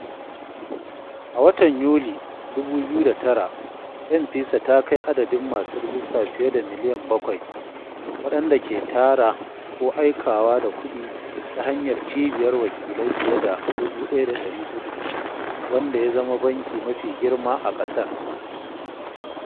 A watan Yuli 2009, M-Pesa ta kai adadin masu rijista fiye da miliyan bakwai, waɗanda ke tara ko aikawa da kuɗi ta hanyar cibiyar wakilai fiye da 1,400, wanda ya zama banki mafi girma a ƙasar.